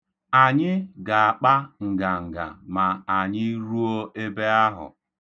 Anyị ga-akpa nganga ma anyị ruo ebe ahụ.